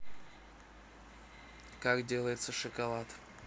как делается шоколад